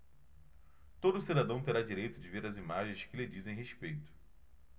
todo cidadão terá direito de ver as imagens que lhe dizem respeito